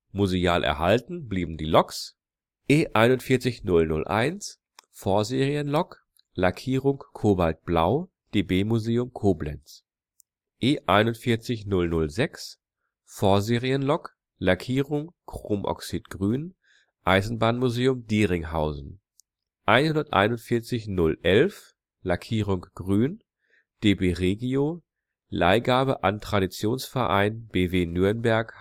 Museal erhalten blieben die Loks: E 41 001 (Vorserienlok, Lackierung: kobaltblau, DB Museum Koblenz) E 41 006 (Vorserienlok, Lackierung: chromoxidgrün, Eisenbahnmuseum Dieringhausen) 141 011 (Lackierung: grün, DB Regio, Leihgabe an Traditionsverein Bw Nürnberg